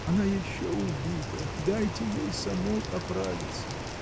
Она еще убита, дайте ей самой справиться!